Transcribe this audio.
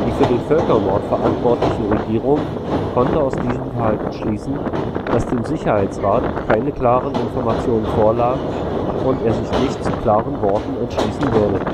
für den Völkermord verantwortliche Regierung konnte aus diesem Verhalten schließen, dass dem Sicherheitsrat keine klaren Informationen vorlagen und er sich nicht zu klaren Worten entschließen würde